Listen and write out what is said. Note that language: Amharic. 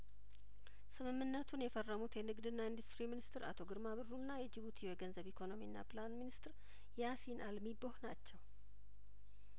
ስምምነቱን የፈረሙት የንግድና ኢንዱስትሪ ሚኒስትር አቶ ግርማ ብሩና የጅቡቲ የገንዘብ የኢኮኖሚና ፕላን ሚኒስትር ያሲን አልሚ ቦህ ናቸው